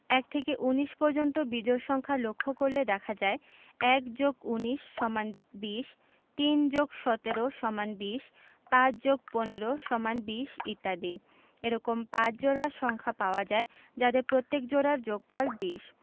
১ থেকে ১৯ পর্যন্ত বিজোড় সংখ্যা লক্ষ করলে দেখা যায় ১+১৯=২০ ৩+১৭=২০ ৫+১৫=২০ ইত্যাদি এরকম ৫ জোড়া সংখ্যা পাওয়া যায় যাদের প্রত্যেক জোড়ার যোগফল ২০